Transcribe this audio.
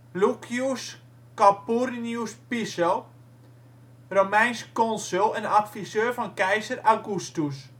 Lucius Calpurnius Piso, Romeins consul en adviseur van keizer Augustus